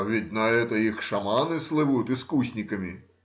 — Ведь на это их шаманы слывут искусниками.